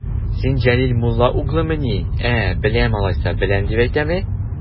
Син Җәләл мулла угълымыни, ә, беләм алайса, беләм дип әйтәме?